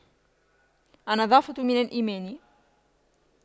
النظافة من الإيمان